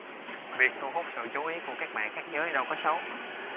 việc thu hút sự chú ý của các bạn khác giới đâu có xấu